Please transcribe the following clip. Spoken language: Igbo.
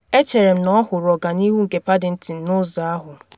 Echere m na ọ hụrụ ọganihu nke Paddington n’ụzọ ahụ.